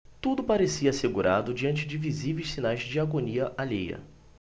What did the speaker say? tudo parecia assegurado diante de visíveis sinais de agonia alheia